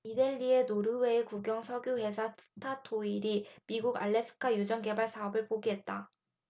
이데일리 노르웨이 국영석유회사 스타토일이 미국 알래스카 유전개발 사업을 포기했다